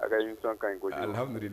A ka sɔn ka ɲi ko